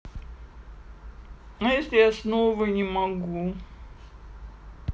а если я снова не могу